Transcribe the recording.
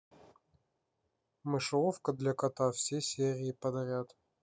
мышеловка для кота все серии подряд